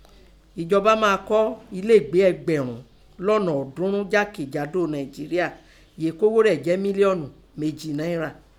Ẹ̀jọba máa kọ́ eléègbé ẹgbẹ̀rún lọ́nà ọ̀ọ́dúnrún jákè jádo Nàìnjeríà yèé kóghó rẹ̀ jẹ́ mílíọ́nù méjì náírà.